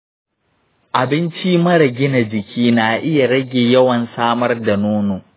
abinci mara gina jiki na iya rage yawan samar da nono.